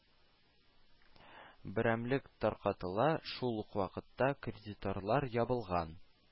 Берәмлек таркатыла, шул ук вакытта кредиторлар, ябылган